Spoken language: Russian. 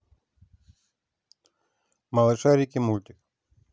малышарики мультик